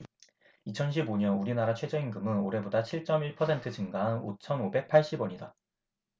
이천 십 오 년 우리나라 최저임금은 올해보다 칠 쩜 일 퍼센트 증가한 오천 오백 팔십 원이다